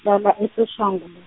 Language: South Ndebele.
-hlala e- Soshanguv-.